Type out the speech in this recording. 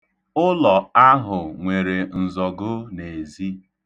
Ụlọ ahụ nwere nzọgo n'ezi.